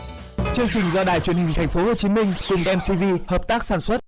trình do đài truyền hình thành phố hồ chí minh cùng em xi vi hợp tác sản xuất